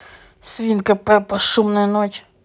свинка пеппа шумная ночь